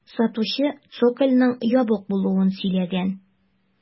Сатучы цокольның ябык булуын сөйләгән.